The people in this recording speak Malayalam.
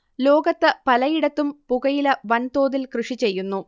ലോകത്തു പലയിടത്തും പുകയില വൻതോതിൽ കൃഷി ചെയ്യുന്നു